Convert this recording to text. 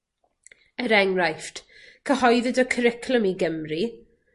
Er enghraifft cyhoeddwyd y cwricwlwm i Gymru,